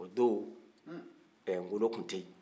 o don ɛɛ ngolo tun tɛ yen